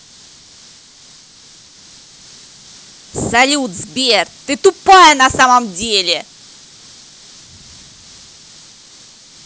салют сбер ты тупая на самом деле